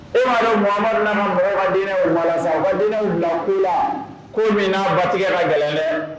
E'a dɔnharuna ma mɔgɔ wadinɛw u walasa sa madinɛw bila ko la ko min ba tigɛ la gɛlɛn dɛ